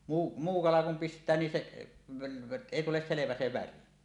muu muu kala kun pistää niin se ei tule selvä se väri